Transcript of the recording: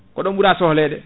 ko ɗon ɓuura sohlede